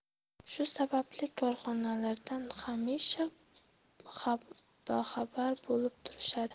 shu sababli korxonalardan hamisha boxabar bo'lib turishadi